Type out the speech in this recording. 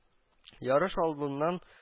Ярыш алдыннан